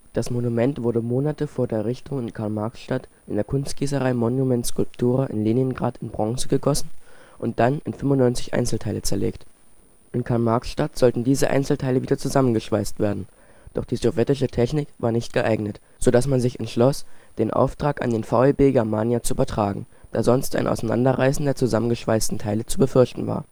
Das Monument wurde Monate vor der Errichtung in Karl-Marx-Stadt in der Kunstgießerei Monument Skulptura in Leningrad in Bronze gegossen und dann in 95 Einzelteile zerlegt. In Karl-Marx-Stadt sollten diese Einzelteile wieder zusammengeschweißt werden, doch die sowjetische Technik war nicht geeignet, so dass man sich entschloss, den Auftrag an den VEB Germania zu übertragen, da sonst ein Auseinanderreißen der zusammengeschweißten Teile zu befürchten war